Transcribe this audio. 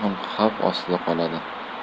xavf ostida qoladi